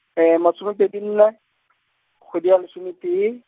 masome pedi nne , kgwedi ya lesometee.